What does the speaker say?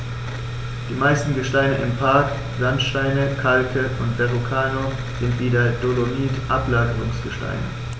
Die meisten Gesteine im Park – Sandsteine, Kalke und Verrucano – sind wie der Dolomit Ablagerungsgesteine.